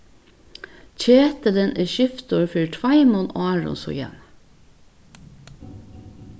ketilin er skiftur fyri tveimum árum síðani